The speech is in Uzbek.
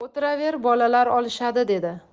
o'tiraver bolalar olishadi dedi